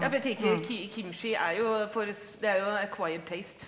ja for jeg tenker kimchi er jo for det er jo .